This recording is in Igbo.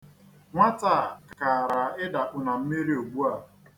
Nwata a kaara ịdakpu na mmiri ugbua.